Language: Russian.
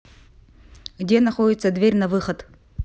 где находится дверь на выход